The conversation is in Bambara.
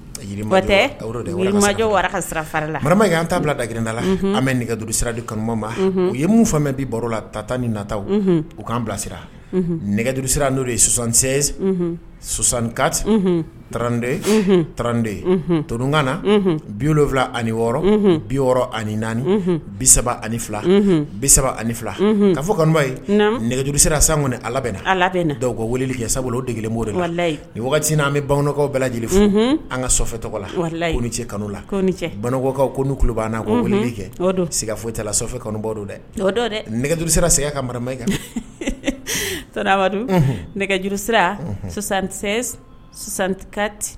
Ajɔ ka sira farala mara y anan ta bila dagrinda la an bɛ nɛgɛduurusira kanumaba u ye min fa bi baro la ta tan ni nata u k'an bilasira nɛgɛjurusira n'o de ye sɔsansen sɔsankati trante trante tonunkanana biluwula ani wɔɔrɔ bi6 ani naani bisa ani fila bisa ani fila ka fɔ kanuba ye nɛgɛjuru sera sanm ala bɛ na ala dɔw ka weele kɛ sade'yi waati n'an bɛ bamanankaw bɛɛ lajɛlen fo an ka so tɔgɔ la cɛ kanu la banakaw ko nuba n' kɛiga foyitala kanubaw don dɛ dɛ nɛgɛjuru sera s ka maramɛ kan sadadu nɛgɛjuru sirakati